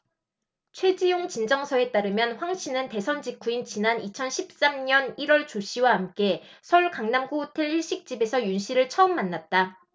최지용진정서에 따르면 황씨는 대선 직후인 지난 이천 십 삼 년 일 월 조씨와 함께 서울 강남구 호텔 일식집에서 윤씨를 처음 만났다